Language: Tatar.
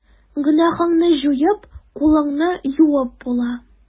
Гөнаһыңны җуеп, кулыңны юып була.